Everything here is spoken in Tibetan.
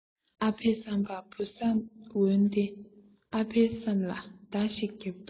ཨ ཕའི བསམ པར བུ ས འོན ཏེ ཨ ཕའི སེམས ལ གདང ཞིག བརྒྱབ དུས